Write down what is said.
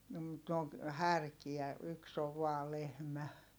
no mutta ne on härkiä yksi on vain lehmä